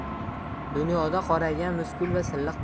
dunyoda qoraygan muskul va silliq